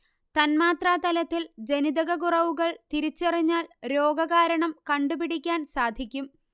തന്മാത്രാതലത്തിൽ ജനിതക കുറവുകൾ തിരിച്ചറിഞ്ഞാൽ രോഗകാരണം കണ്ടുപിടിക്കാൻ സാധിക്കും